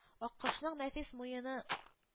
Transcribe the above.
Аккошның нәфис муены